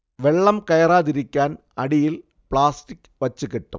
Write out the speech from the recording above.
വെള്ളം കയറാതിരിക്കാൻ അടിയിൽ പ്ലാസ്റ്റിക് വച്ചുകെട്ടും